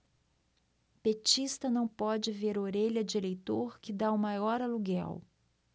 petista não pode ver orelha de eleitor que tá o maior aluguel